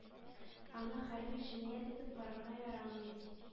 Аны хәрби җинаять итеп карарга ярамый...”